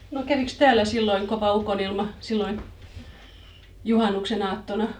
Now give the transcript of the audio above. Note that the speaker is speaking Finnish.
no kävikös täällä silloin kova ukonilma silloin juhannuksen aattona